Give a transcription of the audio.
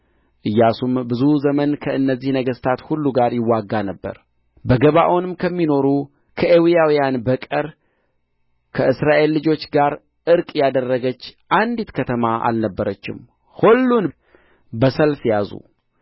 ኢያሱም ብዙ ዘመን ከእነዚህ ነገሥታት ሁሉ ጋር ይዋጋ ነበር በገባዖን ከሚኖሩ ከኤዊያውያን በቀር ከእስራኤል ልጆች ጋር ዕርቅ ያደረገች አንዲት ከተማ አልነበረችም ሁሉን በሰልፍ ያዙ